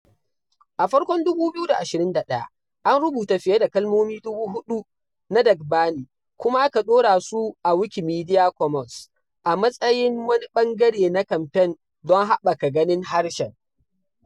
A farkon 2021, an rubuta fiye da kalmomi 4,000 na Dagbani kuma aka ɗora su a Wikimedia Commons a matsayin wani ɓangare na kamfen don haɓaka ganin harshen.